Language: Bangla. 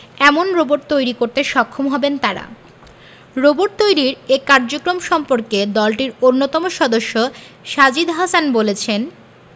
এমন রোবট তৈরি করতে সক্ষম হবেন তারা রোবট তৈরির এ কার্যক্রম সম্পর্কে দলটির অন্যতম সদস্য সাজিদ হাসান বললেন